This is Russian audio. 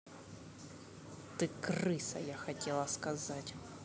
ты крыса я хотела сказать